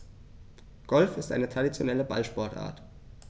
Golf ist eine traditionelle Ballsportart.